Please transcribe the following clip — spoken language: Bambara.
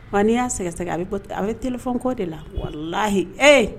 N'i y'a sɛgɛsɛ a bɛ a bɛ tfɛn kɔ de la walalahi ee